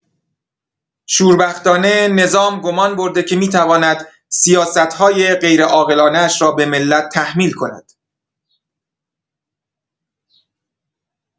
شوربختانه، نظام گمان برده که می‌تواند سیاست‌های غیرعاقلانه‌اش را به ملت تحمیل کند.